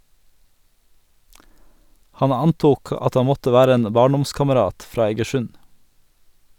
Han antok at han måtte være en barndomskamerat, fra Egersund.